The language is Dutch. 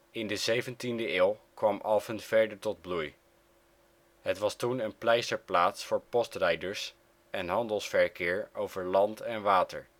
In de 17e eeuw kwam Alphen verder tot bloei. Het was toen een pleisterplaats voor postrijders en handelsverkeer over land en water